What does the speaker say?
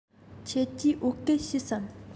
ཁྱེད ཀྱིས བོད སྐད ཤེས སམ